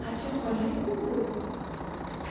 acha xolang ku bu